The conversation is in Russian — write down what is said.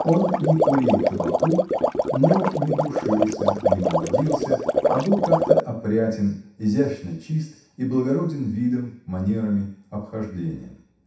Он не курил табаку, но не душился, не молодился, а был как-то опрятен, изящно чист и благороден видом, манерами, обхождением.